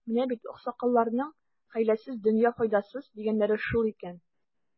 Менә бит, аксакалларның, хәйләсез — дөнья файдасыз, дигәннәре шул икән.